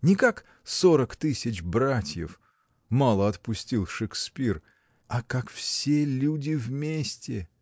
Не как “сорок тысяч братьев”, — мало отпустил Шекспир — а как все люди вместе.